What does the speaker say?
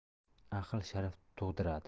aql sharaf tug'diradi